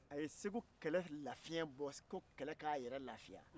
a ye segu kɛlɛ la fiyɛn bɔ ko kɛlɛ k'a yɛrɛ lafiya